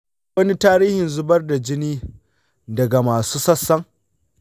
akwai wani tarihin zubar jini daga wasu sassan?